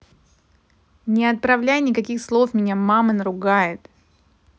не отправляй никаких слов меня мама наругает